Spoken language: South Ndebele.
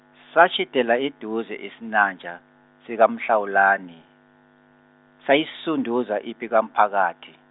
satjhidela eduze isinanja, sikaMhlawulani, sayisunduza ipi komphakathi.